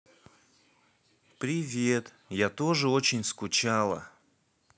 привет я тоже очень скучала